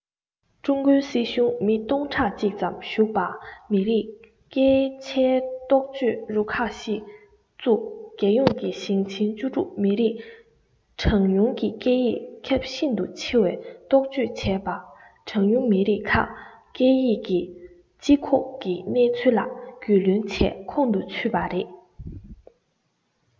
ཀྲུང གོའི སྲིད གཞུང མི སྟོང ཕྲག གཅིག ཙམ ཞུགས པ མི རིགས སྐད ཆའི རྟོག དཔྱོད རུ ཁག ཤིག བཙུགས རྒྱལ ཡོངས ཀྱི ཞིང ཆེན ༡༦ མི རིགས གྲངས ཉུང གི སྐད ཡིག ཁྱབ ཤིན ཏུ ཆེ བའི རྟོག དཔྱོད བྱས པ གྲངས ཉུང མི རིགས ཁག སྐད ཡིག གི སྤྱི ཁོག གི གནས ཚུལ ལ རྒྱུས ལོན བྱས ཁོང དུ ཆུད པ རེད